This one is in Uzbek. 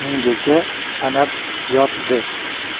minggacha sanab yotdi